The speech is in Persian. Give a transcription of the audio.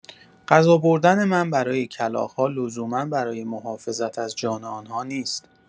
غذا بردن من برای کلاغ‌ها لزوما برای محافظت از جان آن‌ها نیست.